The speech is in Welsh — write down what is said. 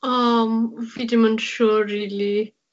O ymm fi dim yn siŵr rili.